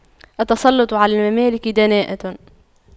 التسلُّطُ على المماليك دناءة